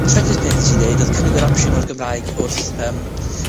Trydydd peth nes i ddeud odd cynnig yr opsiwn o'r Gymraeg wrth yym,